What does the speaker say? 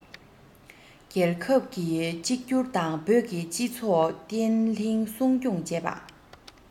རྒྱལ ཁབ ཀྱི གཅིག གྱུར དང བོད ཀྱི སྤྱི ཚོགས བརྟན ལྷིང སྲུང སྐྱོང བྱས པ